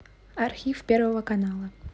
архив первого канала